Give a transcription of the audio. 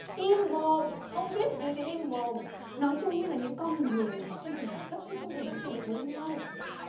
im mồm không biết gì thì im mồm nói chung là những con người mà không cùng đẳng cấp ý không thể nói chuyện được với nhau